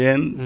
ɓeen